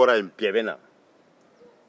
n'o bɔra yen npiyɛ be na